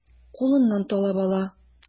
Кулыннан талап ала.